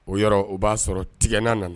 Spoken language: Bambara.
O yɔrɔ o b'a sɔrɔ tigɛna nana